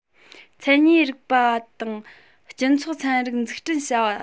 མཚན ཉིད རིག པ དང སྤྱི ཚོགས ཚན རིག འཛུགས སྐྲུན བྱ བ